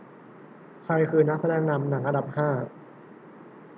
ใครคือนักแสดงนำหนังอันดับห้า